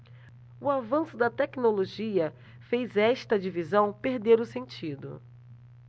o avanço da tecnologia fez esta divisão perder o sentido